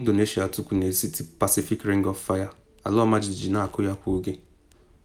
Indonesia tukwu n’etiti Pacific Ring of Fire, ala ọmajiji na akụ ya kwa oge.